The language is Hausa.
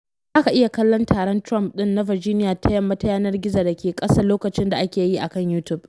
Za ka iya kallon taron Trump ɗin na Virginia ta Yamma ta yanar gizo da ke ƙasa lokacin da ake yi a kan YouTube.